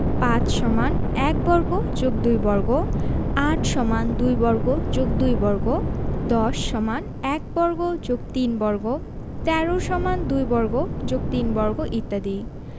৫ = ১ বর্গ + ২ বর্গ ৮ = ২ বর্গ + ২ বর্গ ১০ = ১ বর্গ + ৩ বর্গ ১৩ = ২ বর্গ + ৩ বর্গ ইত্যাদি